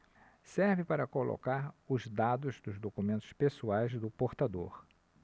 serve para colocar os dados dos documentos pessoais do portador